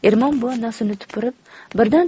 ermon buva nosini tupurib birdan